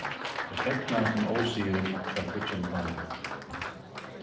tey fegnaðust um ósigurin hjá fíggindanum